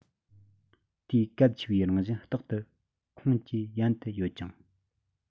དེའི གལ ཆེ བའི རང བཞིན རྟག ཏུ ཁོངས ཀྱི ཡན དུ ཡོད ཅིང